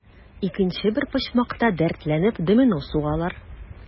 Икенче бер почмакта, дәртләнеп, домино сугалар.